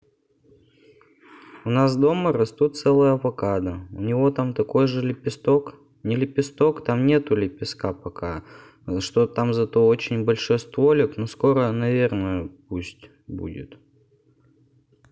у нас дома растут целые авокадо у него там такой же лепесток не лепесток там нету лепестка пока что там зато очень большой стволик но скоро будет наверное пусть